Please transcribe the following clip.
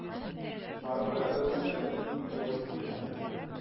Формаль рәвештә мин туры килдем.